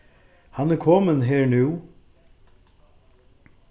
hann er komin her nú